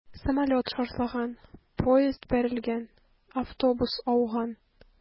Самолет шартлаган, поезд бәрелгән, автобус ауган...